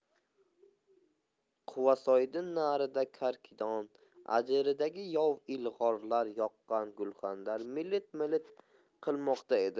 quvasoydin narida karkidon adiridagi yov il g'orlari yoqqan gulxanlar milt milt qilmoqda edi